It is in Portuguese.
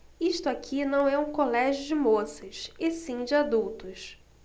isto aqui não é um colégio de moças e sim de adultos